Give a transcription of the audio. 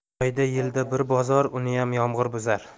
oyda yilda bir bozor uniyam yomg'ir buzar